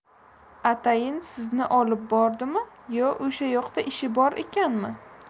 atayin sizni olib bordimi yo o'sha yoqda ishi bor ekanmi